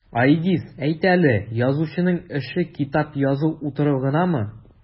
Айгиз, әйт әле, язучының эше китап язып утыру гынамы?